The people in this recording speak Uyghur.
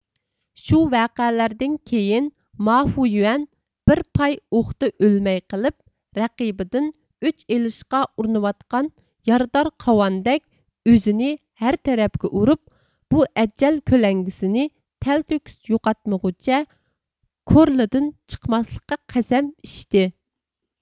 شۇ ۋەقەلەردىن كېيىن مافۈيۈەن بىر پاي ئوقتا ئۆلمەي قېلىپ رەقىبىدىن ئۆچ ئېلىشقا ئۇرۇنۇۋاتقان يارىدار قاۋاندەك ئۆزىنى ھەر تەرەپكە ئۇرۇپ بۇ ئەجەل كۆلەڭگىسى نى تەلتۆكۈس يوقاتمىغۇچە كورلىدىن چىقماسلىققا قەسەم ئىچتى